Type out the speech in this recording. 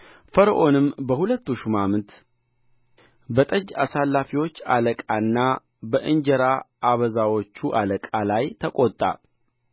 ፈርዖንም በሁለቱ ሹማምቱ በጠጅ አሳላፊዎቹ አለቃና በእንጀራ አበዛዎቹ አለቃ ላይ ተቆጣ